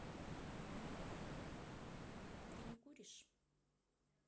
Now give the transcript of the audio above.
ты не куришь